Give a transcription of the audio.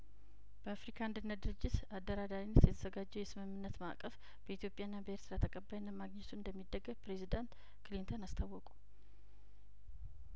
በአፍሪካ አንድነት ድርጅት አደራዳሪነት የተዘጋጀው የስምምነት ማእቀፍ በኢትዮጵያ ና በኤርትራ ተቀባይነት ማግኘቱ እንደሚደገፍ ፕሬዚደንት ክሊንተን አስታወቁ